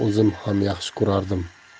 o'zim ham yaxshi ko'rardim